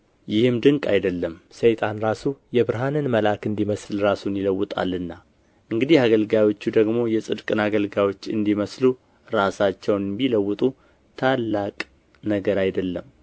ይህም ድንቅ አይደለም ሰይጣን ራሱ የብርሃንን መልአክ እንዲመስል ራሱን ይለውጣልና እንግዲህ አገልጋዮቹ ደግሞ የጽድቅን አገልጋዮች እንዲመስሉ ራሳቸውን ቢለውጡ ታላቅ ነገር አይደለም